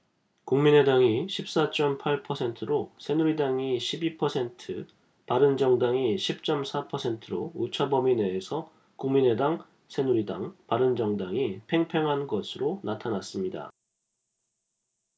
국민의당이 십 사 쩜 팔 퍼센트로 새누리당이 십 이 퍼센트 바른정당이 십 쩜 사 퍼센트로 오차범위 내에서 국민의당 새누리당 바른정당이 팽팽한 것으로 나타났습니다